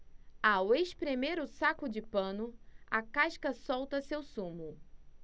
ao espremer o saco de pano a casca solta seu sumo